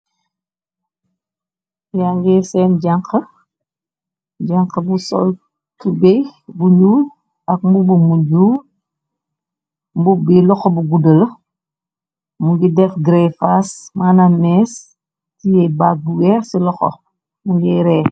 ya ngi seen janq janq bu sol tube bu ñuu ak mubu mujju mbub bi loxo bu guddala mu ngi dex gree faas mana mees ti bagg weer ci loxo mu ngir rée